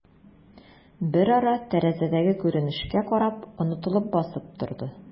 Берара, тәрәзәдәге күренешкә карап, онытылып басып торды.